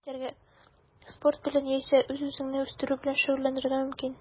Китәргә, спорт белән яисә үз-үзеңне үстерү белән шөгыльләнергә мөмкин.